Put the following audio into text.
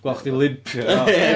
Bod chdi'n limpio...